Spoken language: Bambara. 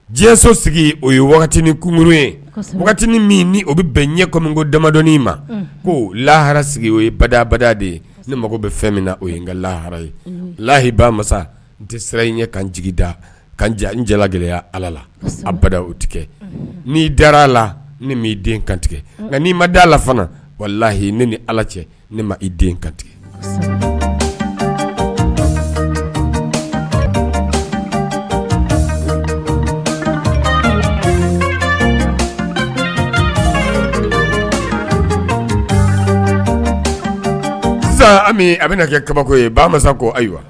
Diɲɛso sigi o ye wagati ni kunmuru ye wagati min ni o bɛ bɛn ɲɛ kɔmi ko damadɔ ma ko lahara sigi o ye ba ba de ye ne mago bɛ fɛn min na o ye n ka lahara ye lahi ba masa n tɛ sira i ɲɛ kan jigida ka n jala gɛlɛyaya ala la a ba o tɛ n dara a la ne i den kantigɛ nii ma da lafana wa lahiyi ne ni ala cɛ ne ma i den kan tigɛ sisan a bɛna kɛ kabako ye ba masa ko ayiwa